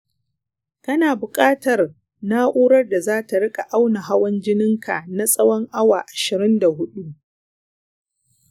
kana buƙatar na’urar da za ta riƙa auna hawan jininka na tsawon awa ashirin da huɗu.